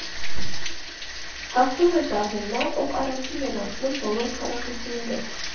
Հաղթող էր դառնում նա, ով առաջինն էր անցնում բոլոր քառակուսիներով։